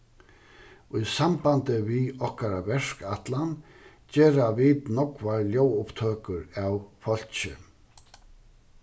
í sambandi við okkara verkætlan gera vit nógvar ljóðupptøkur av fólki